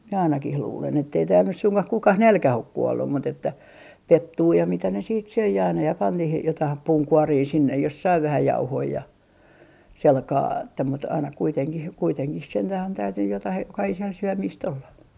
minä ainakin luulen että ei täällä nyt suinkaan kukaan nälkään ole kuollut mutta että pettua ja mitä ne sitten söi aina ja pani niihin jotain puunkuoria sinne jos sai vähän jauhoja ja sillä kalella että mutta aina kuitenkin kuitenkin sentään on täytynyt jotakin jokaiselle syömistä olla